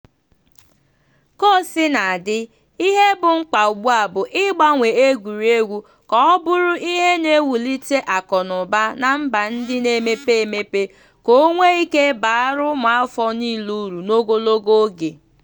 Kaosinadị, ihe bụ mkpa ugbua bụ ịgbanwe egwuregwu ka ọ bụrụ ihe na-ewulite akụnaụba na mba ndị na-emepe emepe ka o nwee ike baara ụmụafọ niile uru n'ogologo oge.